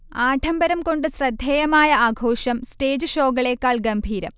ആഢംബരംകൊണ്ട് ശ്രദ്ധേയമായ ആഘോഷം സ്റ്റേജ് ഷോകളേക്കാൾ ഗംഭീരം